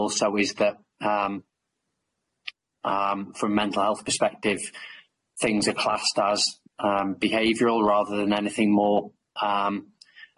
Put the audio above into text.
also is that um, um, from mental health perspective things are classed as behavioural rather than anything more um,